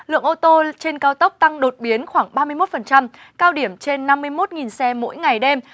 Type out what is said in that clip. lượng ô tô trên cao tốc tăng đột biến khoảng ba mươi mốt phần trăm cao điểm trên năm mươi mốt nghìn xe mỗi ngày đêm